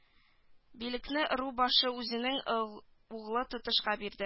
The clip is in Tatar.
Билекне ыру башы үзенең углы тотышка бирде